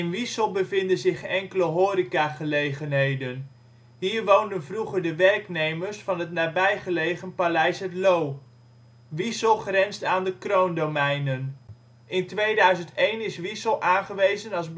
Wiesel bevinden zich enkele horecagelegenheden. Hier woonden vroeger de werknemers van het nabijgelegen Paleis Het Loo. Wiesel grenst aan de kroondomeinen. In 2001 is Wiesel aangewezen als